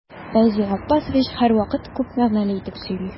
Фәйзи Габбасович һәрвакыт күп мәгънәле итеп сөйли.